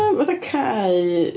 Fatha cae...